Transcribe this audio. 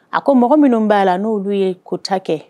A ko mɔgɔ minnu b'a la n'o yolu ye kota kɛ